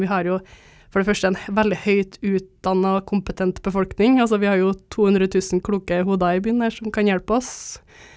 vi har jo for det første en veldig høyt utdanna og kompetent befolkning, altså vi har jo 200000 kloke hoder i byen her som kan hjelpe oss.